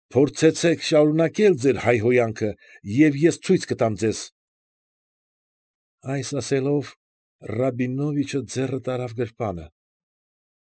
Փորձեցեք շարունակել ձեր հայհոյանքը, և ես ցույց կտամ ձեզ… Այս ասելով, Ռաբինովիչը ձեռը տարավ գրպանը։